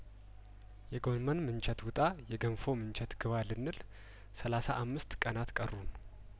የጐመን ምንቸት ውጣ የገንፎ ምንቸት ግባ ልንል ሰላሳ አምስት ቀናት ቀሩን